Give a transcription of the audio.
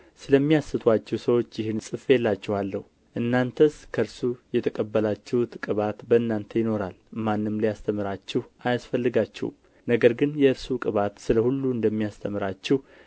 ስለሚያስቱአችሁ ሰዎች ይህን ጽፌላችኋለሁ እናንተስ ከእርሱ የተቀበላችሁት ቅባት በእናንተ ይኖራል ማንም ሊያስተምራችሁ አያስፈልጋችሁም ነገር ግን የእርሱ ቅባት ስለ ሁሉ እንደሚያስተምራችሁ